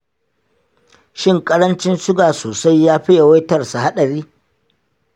shin ƙarancin suga sosai yafi yawaitarsa haɗari?